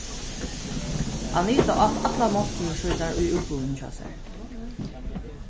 anita át allar máltíðir sínar í íbúðini hjá sær